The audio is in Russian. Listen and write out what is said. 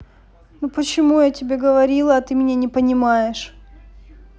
почему я тебе говорила а ты меня не понимаешь